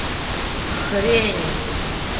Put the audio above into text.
хрень